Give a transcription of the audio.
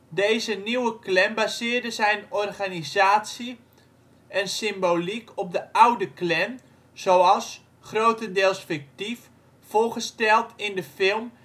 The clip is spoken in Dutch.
Deze nieuwe Klan baseerde zijn organisatie en symboliek op de oude Klan zoals - grotendeels fictief - voorgesteld in de film